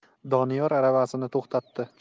doniyor aravasini to'xtatdi